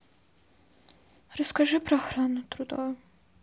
расскажи про охрану труда